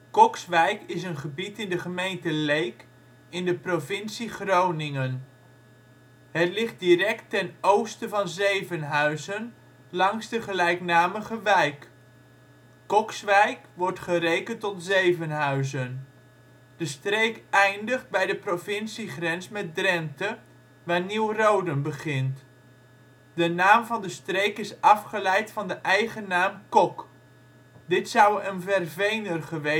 Kokswijk is een gebied in de gemeente Leek in de provincie Groningen. Het ligt direct ten oosten van Zevenhuizen langs de gelijknamige wijk. Kokswijk wordt gerekend tot Zevenhuizen. De streek eindigt bij de provinciegrens met Drenthe, waar Nieuw-Roden begint. De naam van de streek is afgeleid van de eigennaam Kok. Dit zou een vervener geweest zijn